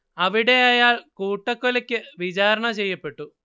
അവിടെ അയാൾ കൂട്ടക്കൊലയ്ക്ക് വിചാരണ ചെയ്യപ്പെട്ടു